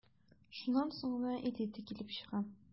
Шуннан соң гына «элита» килеп чыга...